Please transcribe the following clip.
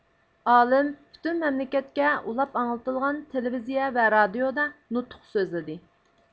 ئالىم پۈتۈن مەملىكەتكە ئۇلاپ ئاڭلىتىلغان تېلېۋىزىيە ۋە رادىئودا نۇتۇق سۆزلىدى